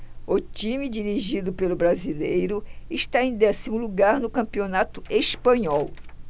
o time dirigido pelo brasileiro está em décimo lugar no campeonato espanhol